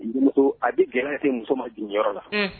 N demuso a be gɛlɛya lase muso ma jiginiyɔrɔ la unh